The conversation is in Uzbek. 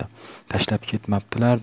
tashlab ketmabdilar da